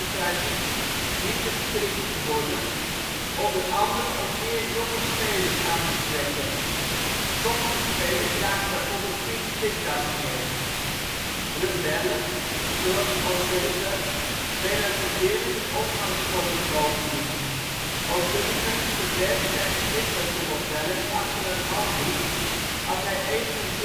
traditie minder strikt geworden, onder andere om meer jonge spelers aan te trekken. Sommige spelers dragen bijvoorbeeld geen strikdas meer. ' Rebellen ' als Ronnie O'Sullivan relativeren de omgangsvormen bovendien; O'Sullivan verbergt z 'n gezicht bijvoorbeeld wel eens achter een handdoek als hij even